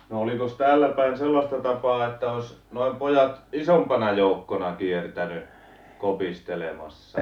no olikos täälläpäin sellaista tapaa että olisi noin pojat isompana joukkona kiertänyt kopistelemassa